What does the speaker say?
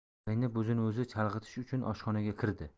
zaynab o'zini o'zi chalg'itish uchun oshxonaga kirdi